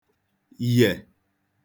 yè